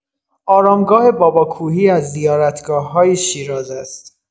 آرامگاه بابا کوهی از زیارتگاه‌های شیراز است.